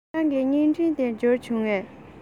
ཁྱེད རང གི བརྙན འཕྲིན དེ འབྱོར བྱུང ངས